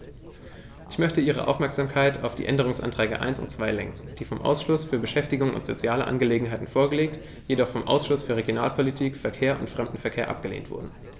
Ich möchte Ihre Aufmerksamkeit auf die Änderungsanträge 1 und 2 lenken, die vom Ausschuss für Beschäftigung und soziale Angelegenheiten vorgelegt, jedoch vom Ausschuss für Regionalpolitik, Verkehr und Fremdenverkehr abgelehnt wurden.